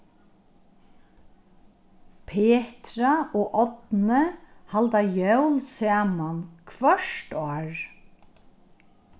petra og árni halda jól saman hvørt ár